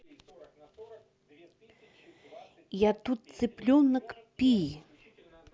я тут цыпленок пи